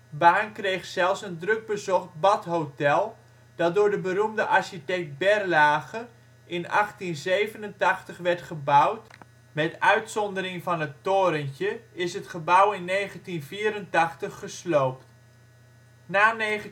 Baarn kreeg zelfs een drukbezocht badhotel, dat door de beroemde architect Berlage in 1887 werd gebouwd (met uitzondering van het torentje is het gebouw in 1984 gesloopt). Na 1945